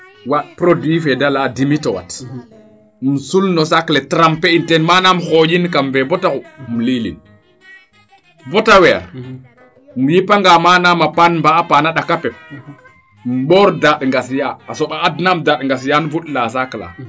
waaɗ produit :fdra fee de leyaa Dimitewate im sul no sac le trempé in teen manaam xonjin kam fee bata xumb im liilin bata weer im yipa nga maanam a paan mba a paana ɗaka pep im mboor daaɗ Ngasya a somba adnaam daaɗ Ngasya fund la sac laa